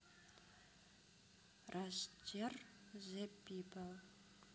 ростер зэ пипл